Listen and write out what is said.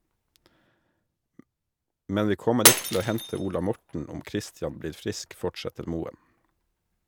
Men vi kommer ikke til å hente Ola Morten om Kristian blir frisk, fortsetter Moen.